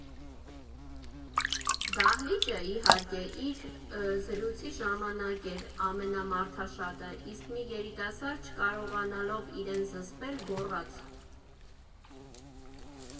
Դահլիճը, իհարկե, իր զրույցի ժամանակ էր ամենամարդաշատը, իսկ մի երիտասարդ, չկարողանալով իրեն զսպել, գոռաց.